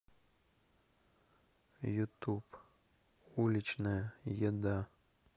ютуб уличная еда